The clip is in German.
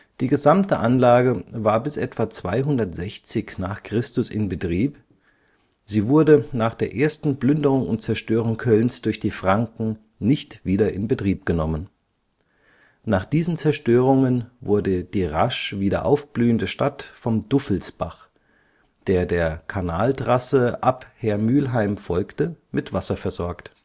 Die gesamte Anlage war bis etwa 260 n. Chr. in Betrieb, sie wurde nach der ersten Plünderung und Zerstörung Kölns durch die Franken nicht wieder in Betrieb genommen. Nach diesen Zerstörungen wurde die rasch wieder aufblühende Stadt vom Duffesbach, der der Kanaltrasse ab Hermülheim folgte, mit Wasser versorgt